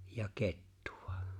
ja kettua